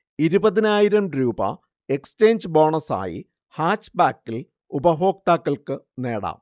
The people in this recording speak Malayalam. ഇരുപതിനായിരം രൂപ എക്സ്ചേഞ്ച് ബോണസായി ഹാച്ച്ബാക്കിൽ ഉപഭോക്താക്കൾക്ക് നേടാം